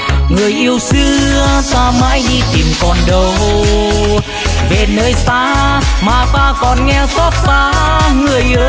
người yêu xưa ta mãi đi tìm còn đâu về nơi xa lòng ta càng nghe xót xa người ơi